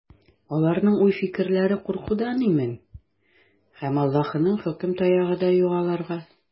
Аларның уй-фикерләре куркудан имин, һәм Аллаһының хөкем таягы да юк аларга.